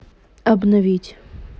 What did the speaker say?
обновить